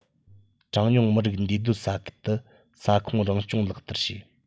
གྲངས ཉུང མི རིགས འདུས སྡོད ས ཁུལ དུ ས ཁོངས རང སྐྱོང ལག བསྟར བྱས